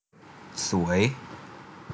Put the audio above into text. สวย